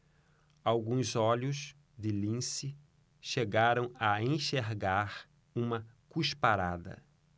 alguns olhos de lince chegaram a enxergar uma cusparada